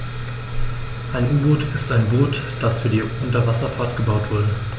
Ein U-Boot ist ein Boot, das für die Unterwasserfahrt gebaut wurde.